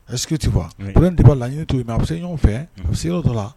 A tɛ fɔ i bɛ n deba la ɲɛ to a bɛ se ɲɔgɔn fɛ a bɛ se yɔrɔ dɔ la